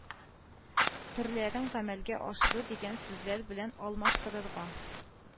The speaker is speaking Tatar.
Төрләрен гамәлгә ашыру дигән сүзләр белән алмаштырырга